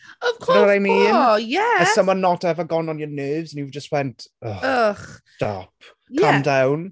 Of course...You know what I mean? Ie!...Has someone not ever gone on your nerves and you've just went, ugh, stop, calm down?